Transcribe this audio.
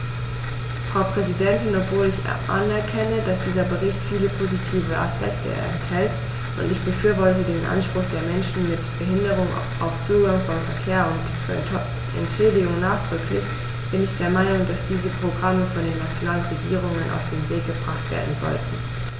Frau Präsidentin, obwohl ich anerkenne, dass dieser Bericht viele positive Aspekte enthält - und ich befürworte den Anspruch der Menschen mit Behinderung auf Zugang zum Verkehr und zu Entschädigung nachdrücklich -, bin ich der Meinung, dass diese Programme von den nationalen Regierungen auf den Weg gebracht werden sollten.